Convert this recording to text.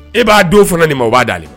E b'a don fana nin ma o b'a dalen